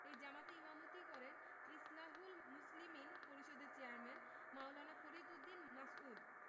এই জামাতে ইমামতি করেন ইসলাহুল মুসলিমিন পরিষদের চেয়ারম্যান মাওলানা ফরিদ উদ্দীন মাসউদ